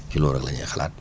ci loolu la ñuy xalaat